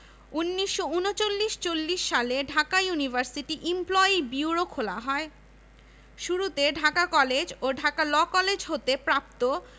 ঢাকা বিশ্ববিদ্যালয় medical centre ছাত্রছাত্রী ও শিক্ষক কর্মকর্তাকর্মচারী এবং তাদের পরিবারকে বিনা খরচে চিকিৎসা সেবা দিয়ে থাকে